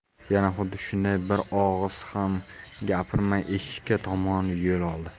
yana xuddi shunday bir og'iz ham gapirmay eshikka tomon yo'l oldi